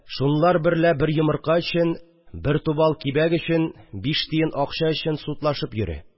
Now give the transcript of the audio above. Шунлар берлә бер йомырка өчен, бер тубал кибәк өчен, биш тиен акча өчен судлашып йөре